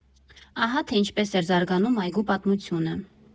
Ահա, թե ինչպես էր զարգանում այգու պատմությունը։